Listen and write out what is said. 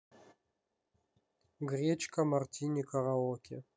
гречка мартини караоке